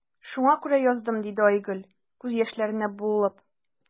Шуңа күрә яздым,– диде Айгөл, күз яшьләренә буылып.